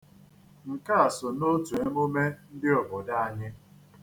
Nke a so n'otu emume ndị obodo anyi.